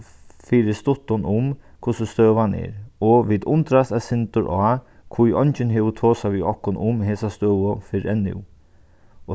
fyri stuttum um hvussu støðan er og vit undrast eitt sindur á hví eingin hevur tosað við okkum um hesa støðu fyrr enn nú